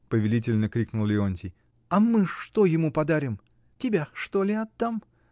— повелительно крикнул Леонтий. — А мы что ему подарим? Тебя, что ли, отдам?